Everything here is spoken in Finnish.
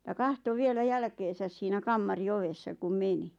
ja katsoi vielä jälkeensä siinä kamarin ovessa kun meni